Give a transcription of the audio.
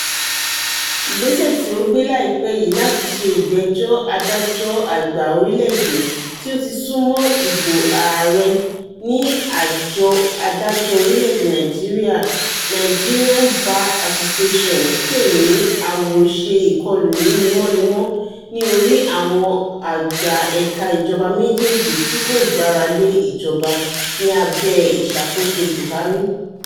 Ìgbésẹ̀ tí ó gbé láì pẹ́ yìí láti ṣe ìgbẹ́jọ́ Adájọ́ Àgbà orílẹ̀ èdè — tí ó ti sún mọ́ ìbò ààrẹ — ni Àjọ Adájọ́ orílẹ̀ èdè Nàìjíríà Nigerian Bar Association pè ní "àwòṣe ìkọlù ní lemọ́lemọ́ ní orí àwọn àgbà ẹ̀ka ìjọba méjèèjì tí-kò-gbáralé ìjọba" ní abẹ́ ìṣàkóso Buhari.